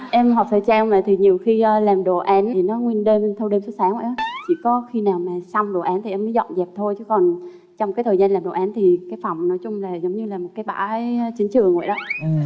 em học thời trang này thì nhiều khi a làm đồ án thì nó nguyên đêm thâu đêm suốt sáng vậy á chỉ có khi nào mà xong đồ án thì em mới dọn dẹp thôi chứ còn trong cái thời gian lập đồ án thì cái phòng nói chung là giống như là một cái bãi chiến trường vậy đó